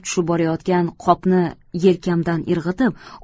tushib borayotgan qopni yelkamdan irg'itib